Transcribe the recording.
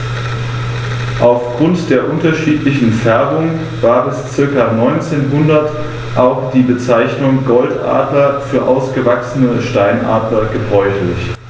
Auf Grund der unterschiedlichen Färbung war bis ca. 1900 auch die Bezeichnung Goldadler für ausgewachsene Steinadler gebräuchlich.